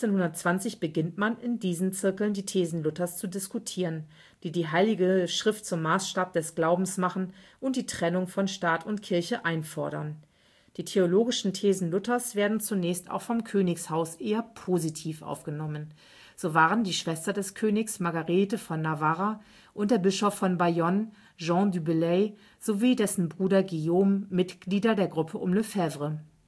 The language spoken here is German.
1520 beginnt man, in diesen Zirkeln die Thesen Luthers zu diskutieren, die die heilige Schrift zum Maßstab des Glaubens machen und die Trennung von Staat und Kirche einfordern. Die theologischen Thesen Luthers werden zunächst auch vom Königshaus eher positiv aufgenommen. So waren die Schwester des Königs, Margarete von Navarra, und der Bischof von Bayonne, Jean du Bellay, sowie dessen Bruder Guillaume Mitglieder der Gruppe um Lefèvre. Franz